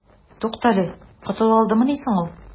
Туктале, котыла алдымыни соң ул?